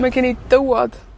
mae gen i dywod